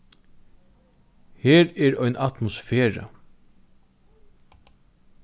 her er ein atmosfera